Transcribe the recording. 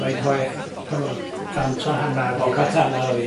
Fain o yy yy p- yy... gant a hannar o'dd... O cant a hannar oddi ia?